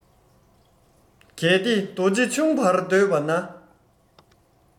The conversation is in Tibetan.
གལ ཏེ རྡོ རྗེ ཆུང བར འདོད པ ན